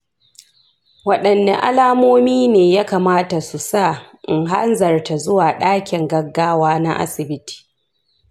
wadanne alamomi ne ya kamata su sa in hanzarta zuwa dakin gaggawa na asibiti?